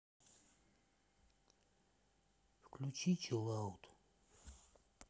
включи чилаут